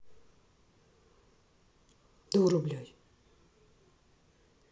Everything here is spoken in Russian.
дура блядь